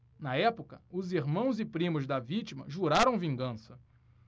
na época os irmãos e primos da vítima juraram vingança